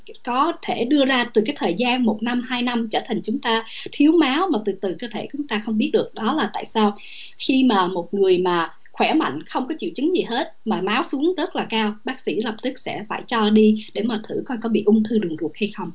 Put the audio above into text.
có thể đưa ra từ cái thời gian một năm hai năm trở thành chúng ta thiếu máu mà từ từ cơ thể chúng ta không biết được đó là tại sao khi mà một người mà khỏe mạnh không có triệu chứng gì hết mà máu xuống rất là cao bác sĩ lập tức sẽ phải cho đi để mà thử coi có bị ung thư đường ruột hay không